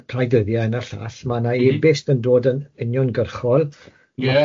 rhai dyddiau hyn y llall... M-hm. ...ma' na e-bust yn dod yn uniongyrchol... Ie.